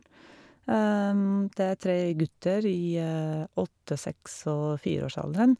Det er tre gutter i åtte-, seks- og fireårsalderen.